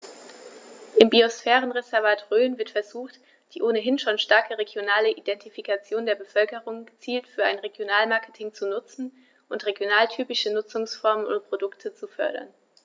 Im Biosphärenreservat Rhön wird versucht, die ohnehin schon starke regionale Identifikation der Bevölkerung gezielt für ein Regionalmarketing zu nutzen und regionaltypische Nutzungsformen und Produkte zu fördern.